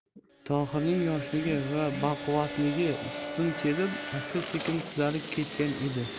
tohirning yoshligi va baquvvatligi ustun kelib asta sekin tuzalib ketgan edi